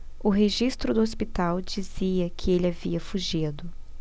o registro do hospital dizia que ele havia fugido